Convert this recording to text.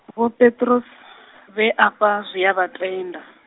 Vho Petrus , vhe afha zwi a vha tenda.